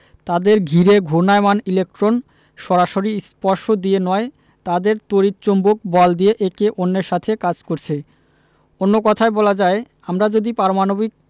তাদের ঘিরে ঘূর্ণায়মান ইলেকট্রন সরাসরি স্পর্শ দিয়ে নয় তাদের তড়িৎ চৌম্বক বল দিয়ে একে অন্যের সাথে কাজ করছে অন্য কথায় বলা যায় আমরা যদি পারমাণবিক